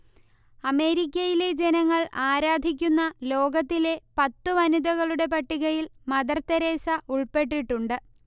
അമേരിക്കയിലെ ജനങ്ങൾ ആരാധിക്കുന്ന ലോകത്തിലെ പത്തു വനിതകളുടെ പട്ടികയിൽ മദർ തെരേസ ഉൾപ്പെട്ടിട്ടുണ്ട്